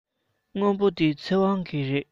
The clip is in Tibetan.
སྔོན པོ འདི ཚེ དབང གི རེད